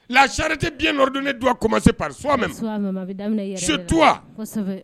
Lahariti bid ni du kɔmasi pa